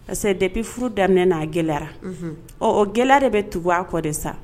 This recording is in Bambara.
Parce que depuis furu daminɛ na a gɛlɛra unhun ɔ o gɛlɛya de be tugu a kɔ de sa